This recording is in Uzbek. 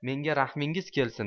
menga rahmingiz kelsin